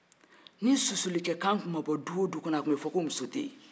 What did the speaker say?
ni susuli kɛ kan tu ma bɔ du o du kɔnɔ a tun bi fɔ ko muso tɛ yen